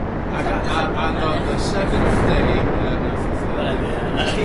Ag a- a- and on the seventh day ia nath fatha Duw mynd i gysgu.